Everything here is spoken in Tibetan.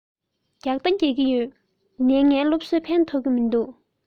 རྒྱག དང རྒྱག གི ཡོད ཡིན ནའི ངའི སློབ གསོས ཕན ཐོགས ཀྱི མི འདུག